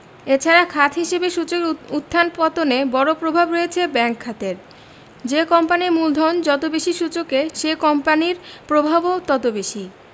এ ছাড়া খাত হিসেবে সূচকের উত্থান পতনে বড় প্রভাব রয়েছে ব্যাংক খাতের যে কোম্পানির মূলধন যত বেশি সূচকে সেই কোম্পানির প্রভাবও তত বেশি